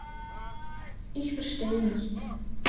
Ich verstehe nicht.